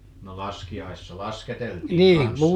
no laskiaisena lasketeltiin kanssa